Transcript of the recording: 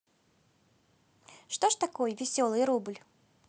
что ж такой веселый рубль